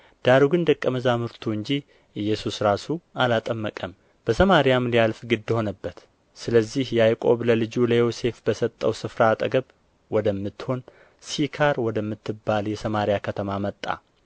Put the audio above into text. ዳሩ ግን ደቀ መዛሙርቱ እንጂ ኢየሱስ ራሱ አላጠመቀም በሰማርያም ሊያልፍ ግድ ሆነበት ስለዚህ ያዕቆብ ለልጁ ለዮሴፍ በሰጠው ስፍራ አጠገብ ወደምትሆን ሲካር ወደምትባል የሰማርያ ከተማ መጣ